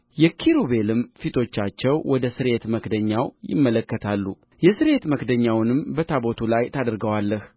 የኪሩቤልም ፊቶቻቸው ወደ ስርየት መክደኛው ይመለከታሉ የስርየት መክደኛውንም በታቦቱ ላይ ታደርገዋለህ